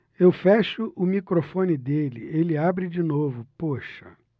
eu fecho o microfone dele ele abre de novo poxa